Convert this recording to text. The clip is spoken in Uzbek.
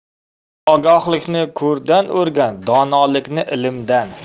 ogohlikni ko'rdan o'rgan donolikni ilmdan